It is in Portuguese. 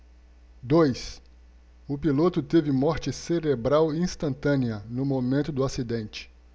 dois o piloto teve morte cerebral instantânea no momento do acidente